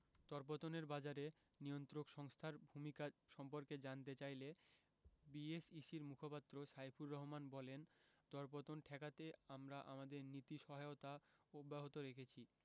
দরপতনের বাজারে নিয়ন্ত্রক সংস্থার ভূমিকা সম্পর্কে জানতে চাইলে বিএসইসির মুখপাত্র সাইফুর রহমান বলেন দরপতন ঠেকাতে আমরা আমাদের নীতি সহায়তা অব্যাহত রেখেছি